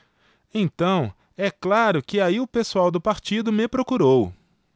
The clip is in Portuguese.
então é claro que aí o pessoal do partido me procurou